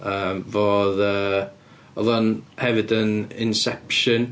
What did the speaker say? Yym fo oedd yym... Oedd o hefyd yn Inception.